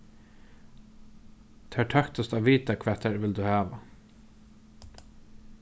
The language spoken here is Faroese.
tær tóktust at vita hvat tær vildu hava